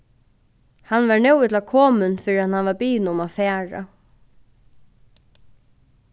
hann var nóg illa komin fyrr enn hann varð biðin um at fara